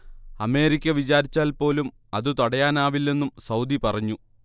America വിചാരിച്ചാൽ പോലും അതു തടയാനാവില്ലെന്നും സൗദി പറഞ്ഞു